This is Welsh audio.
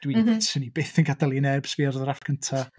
Dwi'n... m-hm. ...'swn i byth yn gadael i neb sbio ar ddrafft cyntaf.